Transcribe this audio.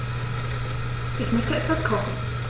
Ich möchte etwas kochen.